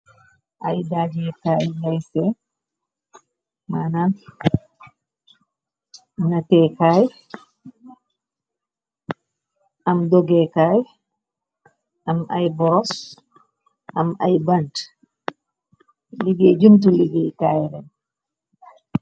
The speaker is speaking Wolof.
Ay daajeetaay nariste manam natéekaay am dogeekaay am ay boros am ay bant liggée jumtu liggéey kaay ren.